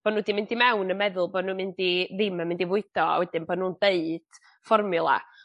fo' n'w 'di mynd i mewn yn meddwl bo' n'w mynd i ddim yn mynd i fwydo a wedyn bo nw'n ddeut fformiwla.